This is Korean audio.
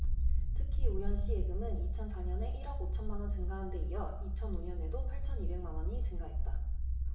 특히 우현씨 예금은 이천 사 년에 일 억 오천 만원 증가한데 이어 이천 오 년에도 팔천 이백 만원이 증가했다